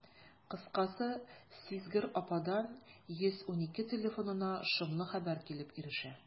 Кыскасы, сизгер ападан «112» телефонына шомлы хәбәр килеп ирешә.